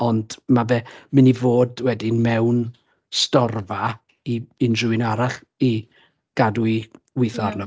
ond ma' fe mynd i fod wedyn mewn storfa i unrhyw un arall i gadw i weithio arno... ie. ...fe